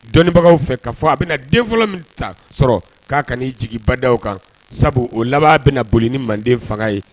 Dɔnniibagaw fɛ k'a fɔ a bɛna den fɔlɔ min ta sɔrɔ k'a ka'i jigibadaw kan sabu o laban bɛna boli ni manden fanga ye